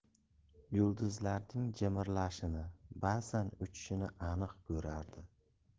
yulduzlarning jimirlashini bazan uchishini aniq ko'rardi